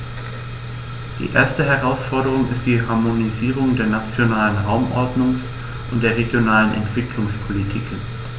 Die erste Herausforderung ist die Harmonisierung der nationalen Raumordnungs- und der regionalen Entwicklungspolitiken.